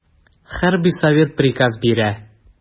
Хәрби совет приказ бирә.